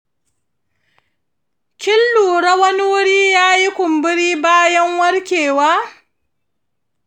kin lura wani wuri yayi kumburi bayan warkewa?